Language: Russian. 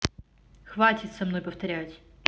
хватит со мной повторять